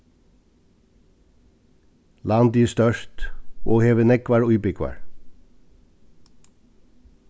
landið er stórt og hevur nógvar íbúgvar